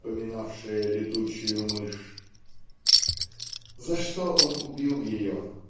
напоминавшее летучую мышь". За что он убил ее?